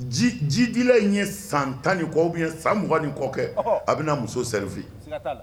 Jidila in ye san tan ni kɔ bɛ san mugan ni kɔ kɛ a bɛna muso se fɛ